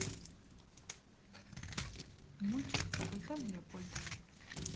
мультик про кота леопольда